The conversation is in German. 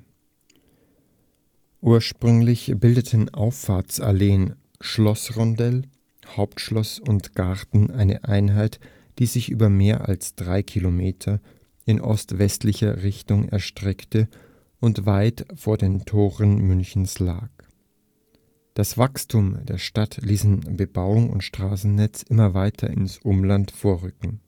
Ursprünglich bildeten Auffahrtsalleen, Schlossrondell, Hauptschloss und Garten eine Einheit, die sich über mehr als drei Kilometer in ost-westlicher Richtung erstreckte und weit vor den Toren Münchens lag. Das Wachstum der Stadt ließen Bebauung und Straßennetz immer weiter ins Umland vorrücken